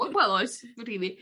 Wel wel oes ma'n rili...